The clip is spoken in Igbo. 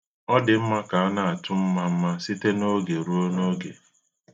Ọ dị mma ka na-atụ mmamma site oge ruo n'oge.